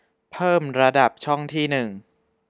เพิ่มระดับช่องที่หนึ่ง